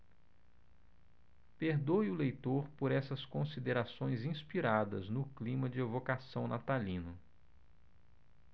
perdoe o leitor por essas considerações inspiradas no clima de evocação natalino